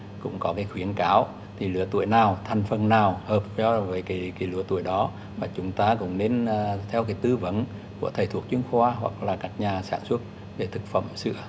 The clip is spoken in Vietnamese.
cũng có cái khuyến cáo thì lứa tuổi nào thành phần nào hợp với cái cái lứa tuổi đó mà chúng ta cũng nên là theo cái tư vấn của thầy thuốc chuyên khoa hoặc là các nhà sản xuất về thực phẩm sữa